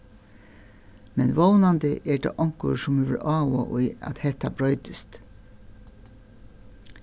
men vónandi er tað onkur sum hevur áhuga í at hetta broytist